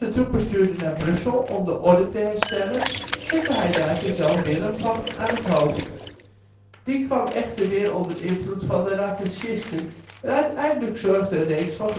troepen stuurde naar Brussel om de orde te herstellen, zette hij daar zijn zoon Willem van aan het hoofd. Die kwam echter weer onder invloed van de rattachisten en uiteindelijk zorgde een reeks van gebeurtenissen